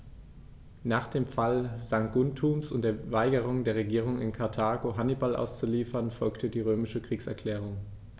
Nach dem Fall Saguntums und der Weigerung der Regierung in Karthago, Hannibal auszuliefern, folgte die römische Kriegserklärung.